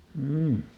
mm